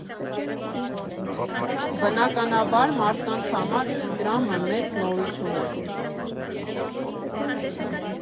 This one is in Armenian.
Բնականաբար մարդկանց համար Իդրամը մեծ նորություն էր։